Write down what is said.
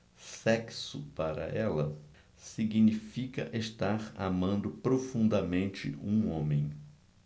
sexo para ela significa estar amando profundamente um homem